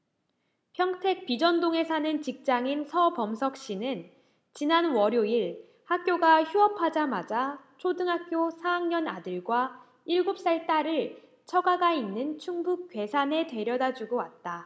평택 비전동에 사는 직장인 서범석씨는 지난 월요일 학교가 휴업하자마자 초등학교 사 학년 아들과 일곱 살 딸을 처가가 있는 충북 괴산에 데려다주고 왔다